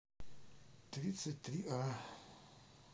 тридцать три а